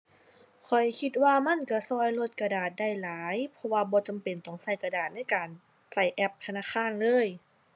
ข้อยคิดว่ามันก็ก็ลดกระดาษได้หลาย เพราะว่าบ่จำเป็นต้องก็กระดาษในการก็แอปธนาคารเลย